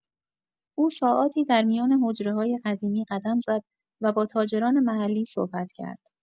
او ساعاتی در میان حجره‌های قدیمی قدم زد و با تاجران محلی صحبت کرد.